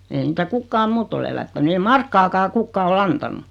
ei niitä kukaan muu ole elättänyt ei markkakaan kukaan ole antanut